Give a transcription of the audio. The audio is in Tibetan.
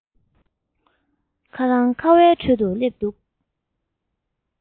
ཁ རང ཁ བའི ཁྲོད དུ སླེབས འདུག